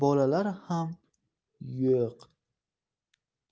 bolalar ham yo'q